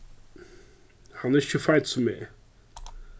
hann er ikki so feitur sum eg